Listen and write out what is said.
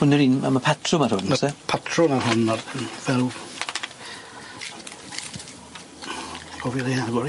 Hwn yw'r un, a ma' patrwm ar hwn o's e? Ma' patrwm ar hwn ma'r fel cofio rhein